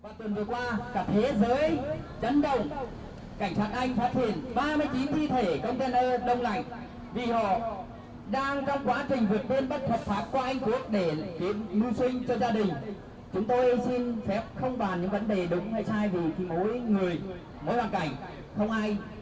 và tuần vừa qua cả thế giới chấn động cảnh sát anh phát hiện ba mươi chín thi thể công ten nơ đông lạnh vì họ đang trong quá trình vượt biên bất hợp pháp qua anh quốc để kiếm mưu sinh cho gia đình chúng tôi xin phép không bàn những vấn đề đúng hay sai vì mỗi người mỗi hoàn cảnh không ai